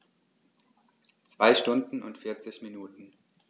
2 Stunden und 40 Minuten